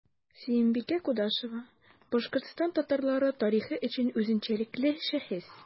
Сөембикә Кудашева – Башкортстан татарлары тарихы өчен үзенчәлекле шәхес.